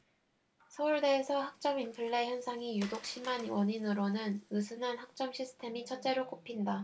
서울대에서 학점 인플레 현상이 유독 심한 원인으로는 느슨한 학점 시스템이 첫째로 꼽힌다